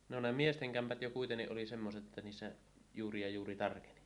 no ne miesten kämpät jo kuitenkin oli semmoiset että niissä juuri ja juuri tarkeni